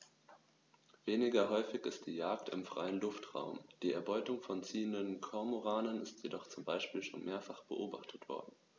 Weniger häufig ist die Jagd im freien Luftraum; die Erbeutung von ziehenden Kormoranen ist jedoch zum Beispiel schon mehrfach beobachtet worden.